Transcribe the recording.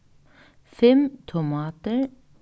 fimm tomatir